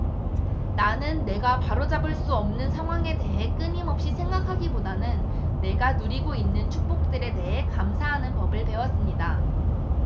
나는 내가 바로잡을 수 없는 상황에 대해 끊임없이 생각하기보다는 내가 누리고 있는 축복들에 대해 감사하는 법을 배웠습니다